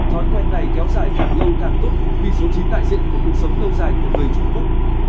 thói quen này kéo dài càng lâu càng tốt vì số đại diện của cuộc sống lâu dài của người trung quốc